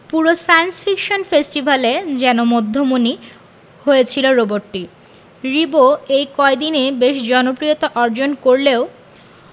পুরো science fiction ফেস্টিভ্যালে যেন মধ্যমণি হয়েছিল রোবটটি রিবো এই কয়দিনে বেশ জনপ্রিয়তা অর্জন করলেও